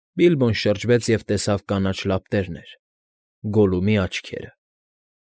Բիլբոն շրջվեց և տեսավ կանաչ լապտերներ՝ Գոլլումի աչքերը։